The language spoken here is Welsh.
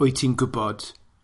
wyt ti'n gwbod